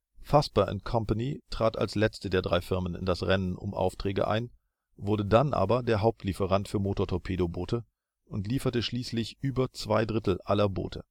Vosper & Company trat als letzte der drei Firmen in das Rennen um Aufträge ein, wurde dann aber der Hauptlieferant für Motortorpedoboote und lieferte schließlich über zwei Drittel aller Boote